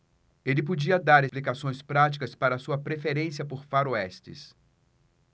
ele podia dar explicações práticas para sua preferência por faroestes